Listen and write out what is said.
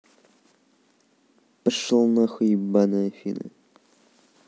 пошел нахуй ебаная афина